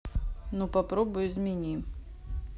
ну попробуй измени